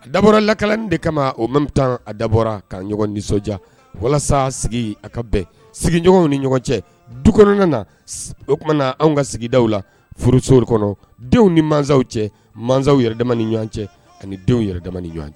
A dabɔra laka in de kama o ma taa a dabɔra ka ɲɔgɔn nisɔndiya walasa sigi a ka bɛn sigiɲɔgɔnw ni ɲɔgɔn cɛ du kɔnɔna na o tumana anw ka sigida la furusori kɔnɔ denw ni masaw cɛ masaw yɛrɛ ni ɲɔgɔn cɛ ani denw yɛrɛda ɲɔgɔn cɛ